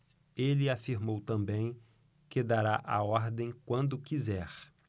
ele afirmou também que dará a ordem quando quiser